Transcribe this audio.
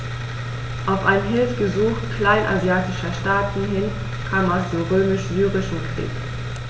Auf ein Hilfegesuch kleinasiatischer Staaten hin kam es zum Römisch-Syrischen Krieg.